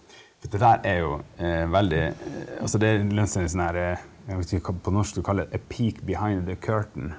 dette der er jo veldig altså det litt sånn derre jeg vet ikke hva på norsk du kaller .